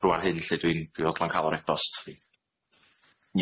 rŵan hyn lly dwi'n dwi fodlon ca'l o ar e-bost lly.